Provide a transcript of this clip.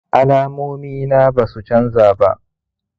alalomina basu canza ba